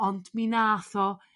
Ond mi nath o